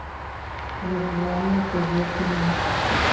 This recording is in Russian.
программа тв три